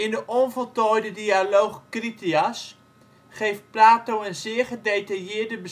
de onvoltooide dialoog " Critias " geeft Plato een zeer gedetailleerde